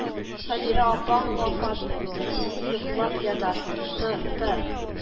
"сабира апаң вафат булды; син йоклап ятасың, тор, тор